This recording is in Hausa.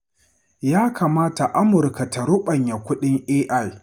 Ya kamata Amurka ta ruɓanya kuɗin A.I.